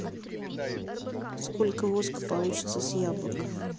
сколько воска получится с яблок